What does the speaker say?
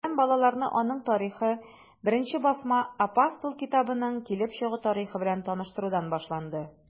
Бәйрәм балаларны аның тарихы, беренче басма “Апостол” китабының килеп чыгу тарихы белән таныштырудан башланды.